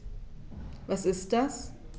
Was ist das?